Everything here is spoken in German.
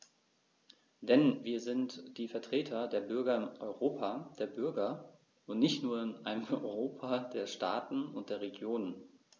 Denn wir sind die Vertreter der Bürger im Europa der Bürger und nicht nur in einem Europa der Staaten und der Regionen.